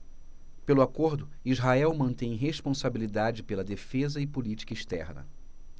pelo acordo israel mantém responsabilidade pela defesa e política externa